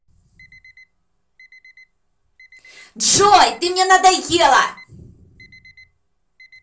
джой ты мне надоела